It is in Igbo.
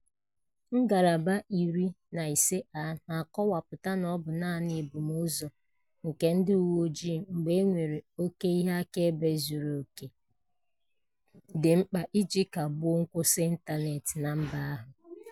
Ngalaba 15a na-akọwapụta na ọ bụ naanị "ebumụzọ" nke ndị uwe ojii mgbe e nwere "oke ihe akaebe zuru oke" dị mkpa iji kagbuo nkwụsị ịntaneetị na mba ahụ.